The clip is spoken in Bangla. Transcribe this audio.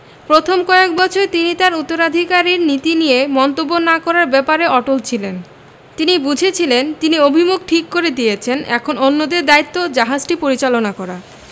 প্রথম কয়েক বছর তিনি তাঁর উত্তরাধিকারীর নীতি নিয়ে মন্তব্য না করার ব্যাপারে অটল ছিলেন তিনি বুঝেছিলেন তিনি অভিমুখ ঠিক করে দিয়েছেন এখন অন্যদের দায়িত্ব জাহাজটি পরিচালনা করা